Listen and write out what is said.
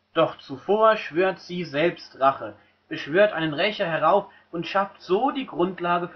Doch zuvor schwört sie selbst Rache, beschwört einen Rächer herauf und schafft so die Grundlage